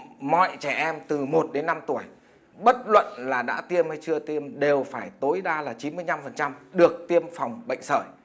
mọi trẻ em từ một đến năm tuổi bất luận là đã tiêm hay chưa tiêm đều phải tối đa là chín mươi nhăm phần trăm được tiêm phòng bệnh sởi